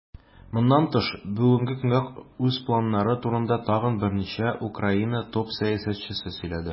Моннан тыш, бүгенге көнгә үз планнары турында тагын берничә Украина топ-сәясәтчесе сөйләде.